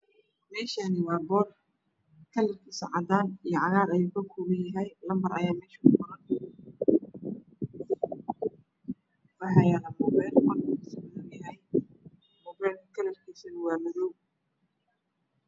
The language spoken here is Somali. Meeshaan waa boor kalarkiisu cadaan iyo cagaar yahay. Lambar ayaa meesha ku qoran. Waxaa yaal muubeel madow ah.